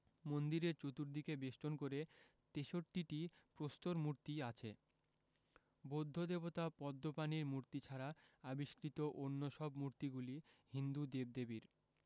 মন্দিরের চতুর্দিকে বেষ্টন করে ৬৩টি প্রস্তর মূর্তি আছে বৌদ্ধ দেবতা পদ্মপাণির মূর্তি ছাড়া আবিষ্কৃত অন্য সব মূর্তিগুলি হিন্দু দেবদেবীর